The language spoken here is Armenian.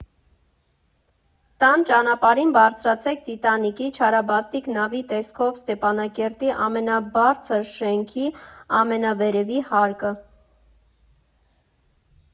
Տան ճանապարհին բարձրացեք «Տիտանիկի» (չարաբաստիկ նավի տեսքով Ստեփանակերտի ամենաբարձր շենքի) ամենավերևի հարկը։